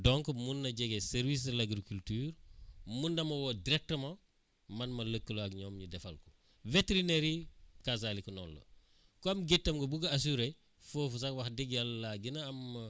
donc mun na jege servcice de l' agriculture mun na ma woo directement man ma lëkkaloo ak ñoom ñu defal ko vétérinaires yi kasaalika noonu la ku am géttam nga bugg assurer foofu sax wax dëgg yàlla laa gën a am